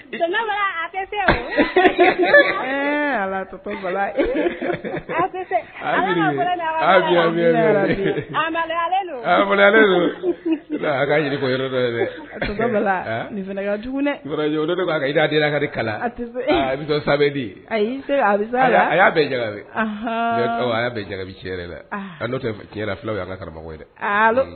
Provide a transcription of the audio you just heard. B'a kari kala sabali ayise a y'a ja a ja dɛo tiɲɛ yɛrɛ fila an karamɔgɔ dɛ